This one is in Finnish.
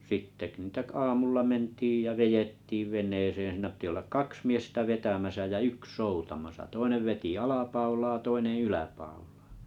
sitten - niitä aamulla mentiin ja vedettiin veneeseen siinä piti olla kaksi miestä vetämässä ja yksi soutamassa toinen veti alapaulaa toinen yläpaulaa